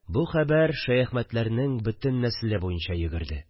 Бу хәбәр Шәяхмәтләрнең бөтен нәселе буенча йөгерде